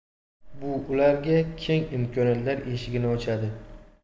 bu ularga keng imkonlar eshigini ochadi